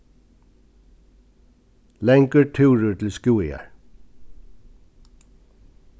langur túrur til skúvoyar